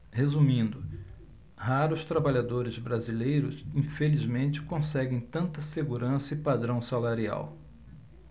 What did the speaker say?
resumindo raros trabalhadores brasileiros infelizmente conseguem tanta segurança e padrão salarial